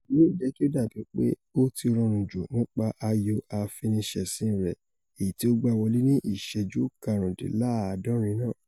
Aguero jẹ́kí ó dàbí pé ó ti rọrùn ju nípa ayò afiniṣẹ̀ṣín rẹ̀ èyití ó gbá wọlé ni ìṣẹ́jú karùndínláàdọ́rin náà.